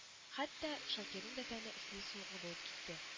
Хәтта Шакирның да тәне эсселе-суыклы булып китте